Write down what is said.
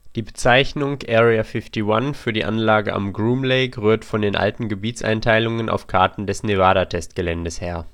Die Bezeichnung Area 51 für die Anlage am Groom Lake rührt von den alten Gebietseinteilungen auf Karten des Nevada-Testgeländes her